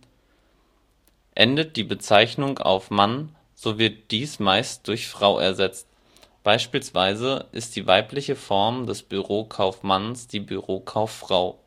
Endet die Bezeichnung auf - mann, so wird dies meistens durch - frau ersetzt, beispielsweise ist die weibliche Form des Bürokaufmanns die Bürokauffrau